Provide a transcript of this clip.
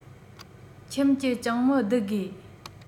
ཁྱིམ གྱི ཅང མི བསྡུ དགོས